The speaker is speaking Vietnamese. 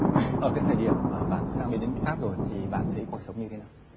ở thời điểm mà bạn sang đến pháp rồi thì bạn thấy cuộc sống như thế nào